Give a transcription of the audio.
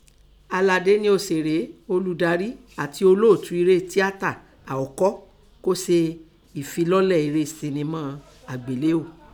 Àlàdé nẹ òsèré ọlùdarí àtin Ọlóòtú iré tíátà àọ́kọ́ kọ́ se ẹ̀filọ́lẹ̀ iré sinimọ́ àgbéléò.